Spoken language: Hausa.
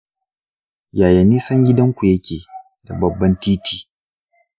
yaya nisan gidanku yake da babban titi?